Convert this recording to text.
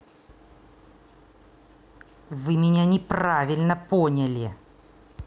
вы меня неправильно поняли